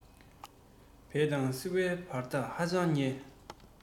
བད དང ཟིལ བའི བར ཐག ཧ ཅང ཉེ